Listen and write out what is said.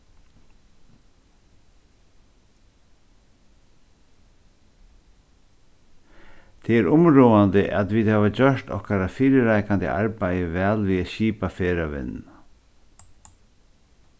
tað er umráðandi at vit hava gjørt okkara fyrireikandi arbeiði væl við at skipa ferðavinnuna